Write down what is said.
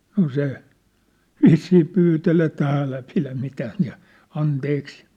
no se vissiin pyyteli että älä pidä mitään ja anteeksi